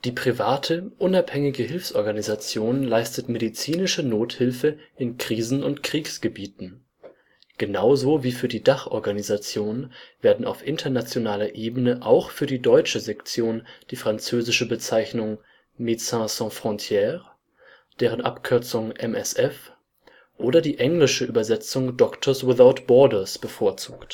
private, unabhängige Hilfsorganisation leistet medizinische Nothilfe in Krisen - und Kriegsgebieten. Genauso wie für die Dachorganisation, werden auf internationaler Ebene auch für die deutsche Sektion die französische Bezeichnung Médecins Sans Frontières, deren Abkürzung MSF oder die englische Übersetzung Doctors Without Borders bevorzugt